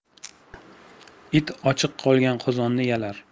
it ochiq qolgan qozonni yalar